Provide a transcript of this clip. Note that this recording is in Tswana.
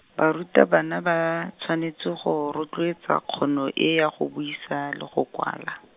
barutabana ba, tshwanetse go rotloetsa kgono e ya go buisa le go kwala.